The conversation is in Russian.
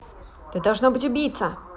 ты должно быть убийца